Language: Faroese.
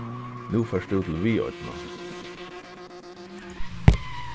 nú fert tú til viðoynna